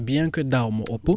bien que daaw moo ëpp